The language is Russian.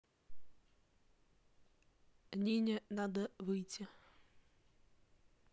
нине надо выйти